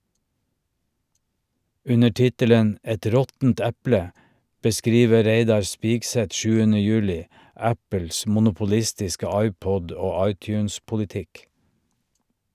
Under tittelen "Et råttent eple" beskriver Reidar Spigseth 7. juli Apples monopolistiske iPod- og iTunes-politikk.